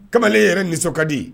Kamalen yɛrɛ nisɔnkadi